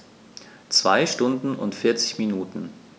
2 Stunden und 40 Minuten